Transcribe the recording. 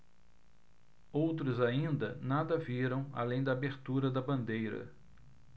outros ainda nada viram além da abertura da bandeira